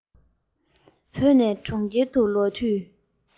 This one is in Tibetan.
བོད ནས གྲོང ཁྱེར དུ ལོག དུས